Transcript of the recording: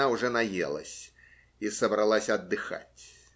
она уже наелась и собралась отдыхать.